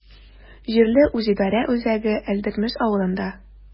Җирле үзидарә үзәге Әлдермеш авылында.